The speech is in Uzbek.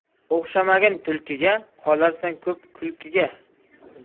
o'xshamagin tulkiga qolarsan ko'p kulkiga